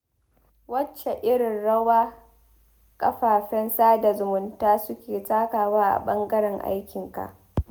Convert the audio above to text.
Wacce irin rawa kafafen sada zumunta suke takawa a ɓangaren aikinka?